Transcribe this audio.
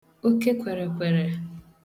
oke kwerekwere